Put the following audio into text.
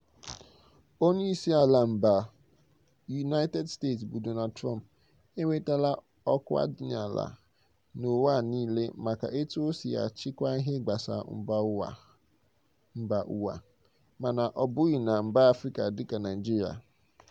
Onyeisiala mba United States bụ Donald Trump enwetala ọkwa dị ala n'ụwa niile maka etu o si achịkwa ihe gbasara mba ụwa — mana ọ bụghị na mba Afrịka dịka Naịjirịa.